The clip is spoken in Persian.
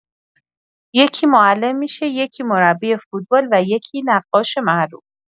یکی معلم می‌شه، یکی مربی فوتبال و یکی نقاش معروف.